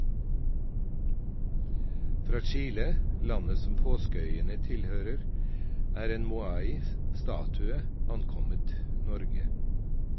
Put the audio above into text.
Fra Chile , landet som Påskeøyene tilhører, er en Moai statue ankommet Norge.